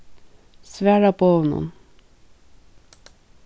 svara boðunum